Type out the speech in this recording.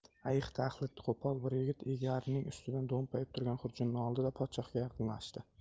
ayiqtaxlit qo'pol bir yigit egarining ustida do'mpayib turgan xurjunni oldi da podshohga yaqinlashdi